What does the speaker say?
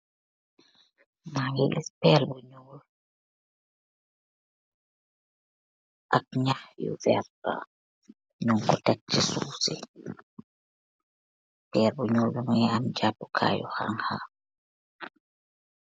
Pehli bu nyeoul bunj tekk ce nyahh bi.